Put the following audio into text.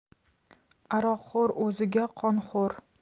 aroqxo'r o'ziga qonxo'r